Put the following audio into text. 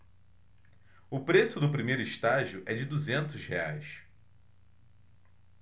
o preço do primeiro estágio é de duzentos reais